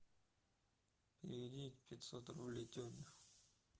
переведи пятьсот рублей теме